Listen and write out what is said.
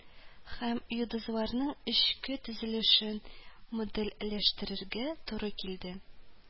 Һәм йолдызларның эчке төзелешен модельләштерергә туры килде